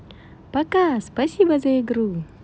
пока спасибо за игру